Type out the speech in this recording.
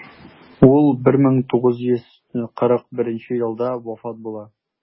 Ул 1941 елда вафат була.